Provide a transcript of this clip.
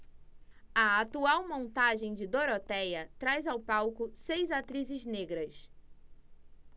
a atual montagem de dorotéia traz ao palco seis atrizes negras